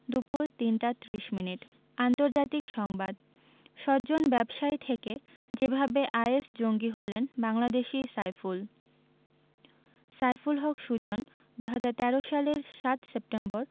দুপুর ৩টা ৩০ মিনিট আন্তর্জাতিক সংবাদ সজ্জন ব্যবসায়ী থেকে যেভাবে আইএস জঙ্গি হলেন বাংলাদেশি সাইফুল সাইফুল হক সুজন ২০১৩ সালের ৭ সেপ্টেম্বর